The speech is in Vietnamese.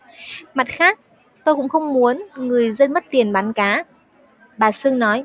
mặt khác tôi cũng không muốn người dân mất tiền bán cá bà sương nói